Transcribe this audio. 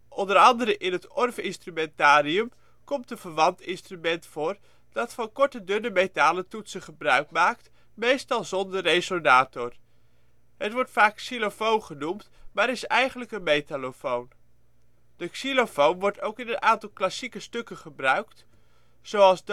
Onder andere in het Orff-instrumentarium komt een verwant instrument voor dat van korte dunne metalen toetsen gebruikt maakt, meestal zonder resonator. Het wordt vaak ' xylofoon ' genoemd maar is eigenlijk een metallofoon. De xylofoon wordt ook in een aantal klassieke stukken gebruikt zoals